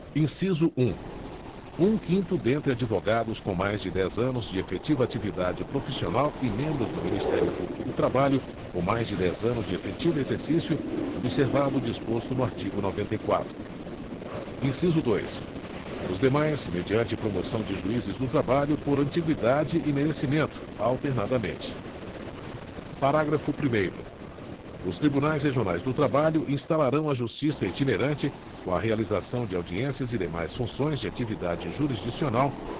inciso um um quinto dentre advogados com mais de dez anos de efetiva atividade profissional e membros do ministério público do trabalho com mais de dez anos de efetivo exercício observado o disposto no artigo noventa e quatro inciso dois os demais mediante promoção de juízes do trabalho por antigüidade e merecimento alternadamente parágrafo primeiro os tribunais regionais do trabalho instalarão a justiça itinerante com a realização de audiências e demais funções de atividade jurisdicional